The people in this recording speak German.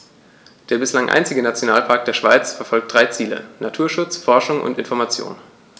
Der bislang einzige Nationalpark der Schweiz verfolgt drei Ziele: Naturschutz, Forschung und Information.